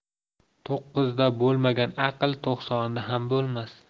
to'qqizida bo'lmagan aql to'qsonida ham bo'lmas